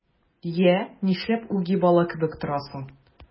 Йә, нишләп үги бала кебек торасың?